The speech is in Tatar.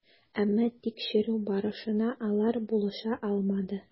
Әмма тикшерү барышына алар булыша алмады.